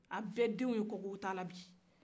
a bɛ denw ye kogotala bi